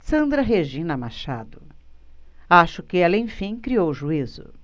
sandra regina machado acho que ela enfim criou juízo